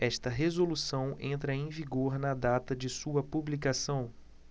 esta resolução entra em vigor na data de sua publicação